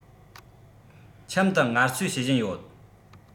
ཁྱིམ དུ ངལ གསོས བྱེད བཞིན ཡོད